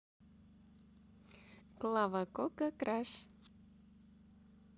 клава кока краш